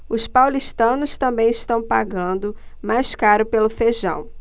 os paulistanos também estão pagando mais caro pelo feijão